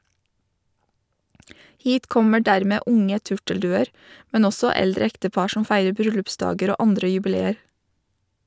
Hit kommer dermed unge turtelduer, men også eldre ektepar som feirer bryllupsdager og andre jubileer.